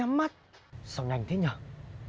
nhắm mắt sao nhanh thế nhở